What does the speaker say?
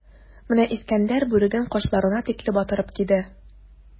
Менә Искәндәр бүреген кашларына тикле батырып киде.